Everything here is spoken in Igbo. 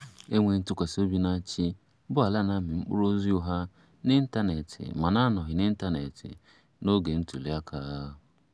Enweghị ntụkwasị obi na-achị bụ ala na-amị mkpụrụ ozi ụgha – n'ịntaneetị ma n'anọghị n'ịntaneetị – n'oge ntụliaka.